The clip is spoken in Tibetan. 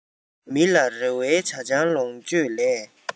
མི ལ རེ བའི ཇ ཆང ལོངས སྤྱོད ལས